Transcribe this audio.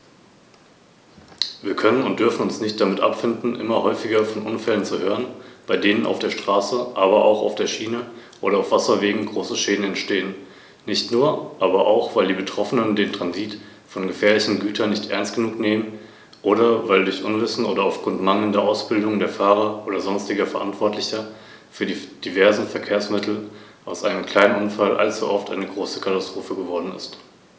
Ich danke Frau Schroedter für den fundierten Bericht.